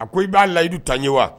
A ko i b'a layidu ta ye wa